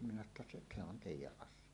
minä sanoi jotta se se on teidän asia